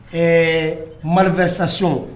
Ɛɛ marifasaso